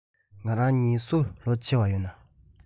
ང རང གཉིས སུ ལོ ཆེ བ ཡོད ན